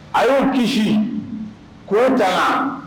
A y'o kisi, k'o tanga.